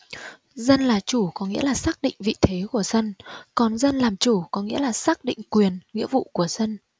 dân là chủ có nghĩa là xác định vị thế của dân còn dân làm chủ có nghĩa là xác định quyền nghĩa vụ của dân